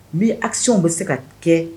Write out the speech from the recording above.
Ni actions bɛ se ka kɛ!